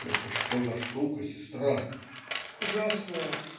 - "Это что за штука, сестра?" - "Ужасная.